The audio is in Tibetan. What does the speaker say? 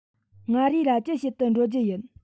མངའ རིས ལ ཅི བྱེད དུ འགྲོ རྒྱུ ཡིན